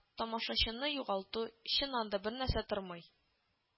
Тамашачыны югалту, чыннан да, бернәрсә тормый